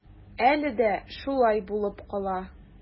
Әле дә шулай булып кала.